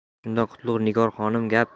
shunda qutlug' nigor xonim gap